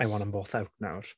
I want them both out nawr.